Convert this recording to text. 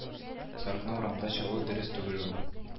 - сарыкны урамда чалу дөрес түгел ул